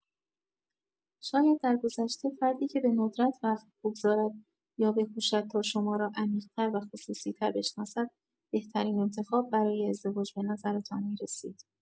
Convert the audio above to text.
شاید درگذشته، فردی که به‌ندرت وقت بگذارد یا بکوشد تا شما را عمیق‌تر و خصوصی‌تر بشناسد بهترین انتخاب برای ازدواج به نظرتان می‌رسید.